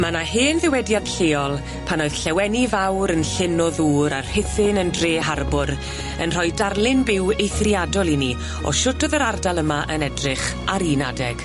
Ma' 'na hen ddywediad lleol pan oedd Lleweni fawr yn llyn o ddŵr a Rhuthun yn dre harbwr, yn rhoi darlun byw eithriadol i ni o shwt oedd yr ardal yma yn edrych ar un adeg.